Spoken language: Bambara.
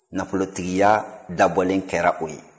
nafolo tigiya dabɔlen kɛra o ye